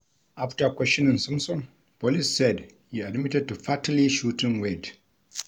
After questioning Simpson, police said he admitted to fatally shooting Wayde.